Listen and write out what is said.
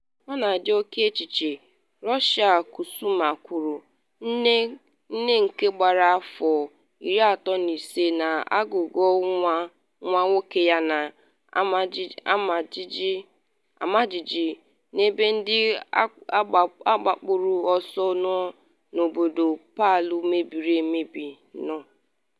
“Ọ na-adị oke echiche,” Risa Kusuma kwuru, nne nke gbara afọ 35, na-agụgụ nwa nwoke ya na-amajiji n’ebe ndị gbapụrụ ọsọ n’obodo Palu mebiri emebi nọ.